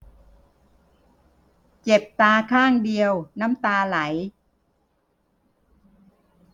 เจ็บตาข้างเดียวน้ำตาไหล